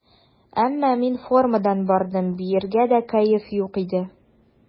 Әмма мин формадан бардым, биергә дә кәеф юк иде.